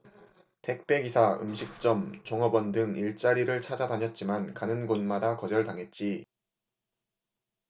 택배 기사 음식점 종업원 등 일자리를 찾아다녔지만 가는 곳마다 거절당했지